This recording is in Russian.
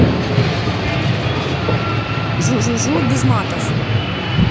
жу жу жу без матов